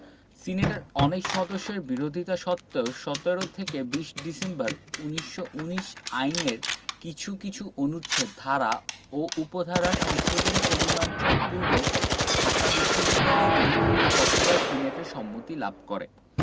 সিনেটের অনেক সদস্যের বিরোধিতা সত্ত্বেও ১৭ থেকে ২০ ডিসেম্বর ১৯১৯ আইনের কিছু কিছু অনুচ্ছেদ ধারা ও উপধারা সংশোধন পরিমার্জন পূর্বক ঢাকা বিশ্ববিদ্যালয় বিলটির খসড়া সিনেটের সম্মতি লাভ করে